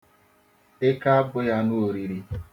Eke abụghị anụ oriri.